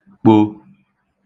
kpō